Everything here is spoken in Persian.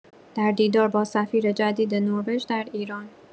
در دیدار با سفیر جدید نروژ در ایران